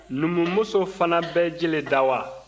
numumuso fana bɛ jele da wa